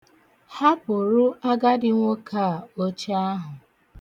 Hapụrụ agadi nwoke a oche ahụ.